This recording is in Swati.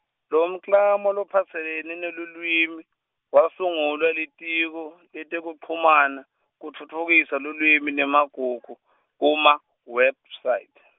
lomklamo lophatselene nelulwimi, wasungulwa Litiko, letekuchumana, kutfutfukisa lulwimi nemagugu, kuma-website.